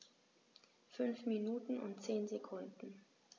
5 Minuten und 10 Sekunden